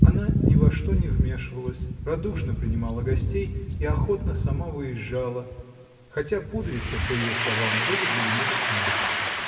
Она ни во что не вмешивалась, радушно принимала гостей и охотно сама выезжала, хотя пудриться, по ее словам, было для нее смертью.